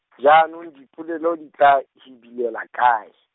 jaanong dipolelo di tla, hibilela kae?